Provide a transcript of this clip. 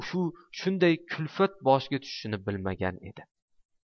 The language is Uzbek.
u shunday kulfat boshiga tushishini bilmagan edi